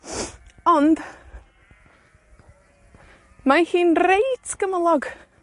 Ond, mae hi'n reit gymylog.